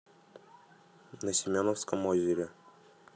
на семеновском озере